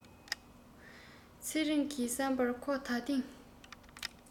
ཚེ རིང གི བསམ པར ཁོས ད ཐེངས